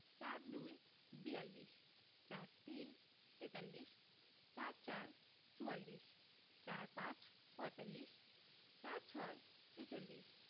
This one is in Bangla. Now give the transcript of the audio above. ৪২ বিয়াল্লিশ ৪৩ তেতাল্লিশ ৪৪ চুয়াল্লিশ ৪৫ পঁয়তাল্লিশ ৪৬ ছেচল্লিশ